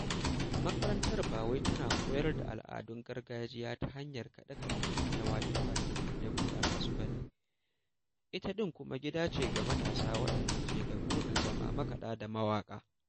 Makarantar ba kawai tana koyar da al'adun gargajiya ta hanyar kaɗe-kaɗe da waƙe-waƙe da bunƙasa su bane, ita ɗin kuma gida ce ga matasa waɗanda ke da burin zama makaɗa da mawaƙa .